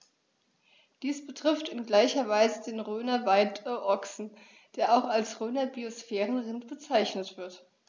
Dies betrifft in gleicher Weise den Rhöner Weideochsen, der auch als Rhöner Biosphärenrind bezeichnet wird.